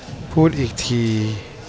พูดอีกที